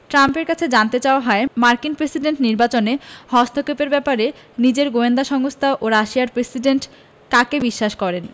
ট্রাম্পের কাছে জানতে চাওয়া হয় মার্কিন প্রেসিডেন্ট নির্বাচনে হস্তক্ষেপের ব্যাপারে নিজের গোয়েন্দা সংস্থা বা রাশিয়ার প্রেসিডেন্ট কাকে বিশ্বাস করেন